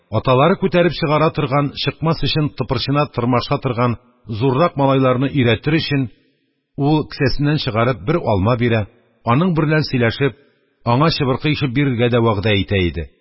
Аталары күтәреп чыгара торган, чыкмас өчен тыпырчына-тырмаша торган зуррак малайларны өйрәтер өчен, ул, кесәсеннән чыгарып, бер алма бирә, аның берлән сөйләшеп, аңар чыбыркы ишеп бирергә дә вәгъдә итә иде.